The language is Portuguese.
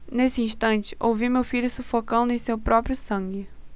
nesse instante ouvi meu filho sufocando em seu próprio sangue